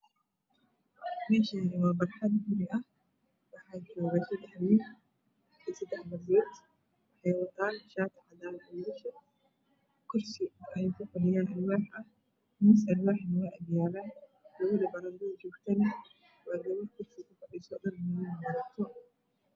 Meshani wa abaraxd guri ah waxaa jogo sadax wiil iyo sadax gabar waxeyw ataan wiilahsa shaati kursi eyey ku fadhiyaan miis al waax ah waa aga yala gabadha paran dada joojgto wa gabr kursi ku fadhiso dhar madow ah qabto